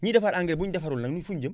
ñiy defar engrais bu ñu defarul nag fu ñu jëm